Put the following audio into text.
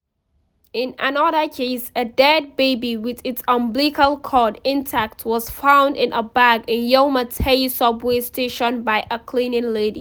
In another case, a dead baby with its umbilical cord intact was found in a bag in Yau Ma Tei subway station by a cleaning lady.